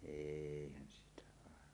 eihän sitä aivan